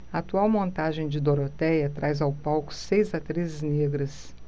a atual montagem de dorotéia traz ao palco seis atrizes negras